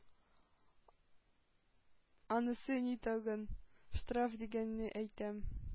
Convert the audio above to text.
Анысы ни тагын?.. Штраф дигәнеңне әйтәм.